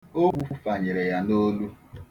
Ogwu fanyere ya n'olu.